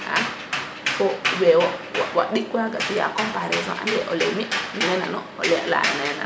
a we wo ndik waga fiya comparaison ande o le mi nene nanu o lana nene nanu